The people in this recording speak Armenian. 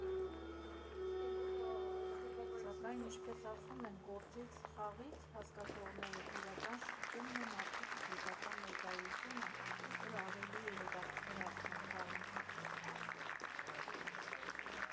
Սակայն, ինչպես ասում են գործից (խաղի՞ց) հասկացողները, իրական շփումն ու մարդու ֆիզիկական ներկայությունը էլ ավելի է հետաքրքրացնում խաղի ընթացքը։